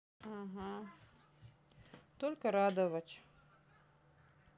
только радовать